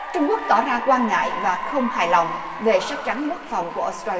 trung quốc tỏ ra quan ngại và không hài lòng về sách trắng quốc phòng của ốt sờ cho